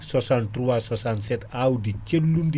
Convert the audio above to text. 63 67 awdi cellundi